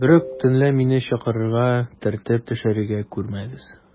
Берүк төнлә мине чокырга төртеп төшерә күрмәгез.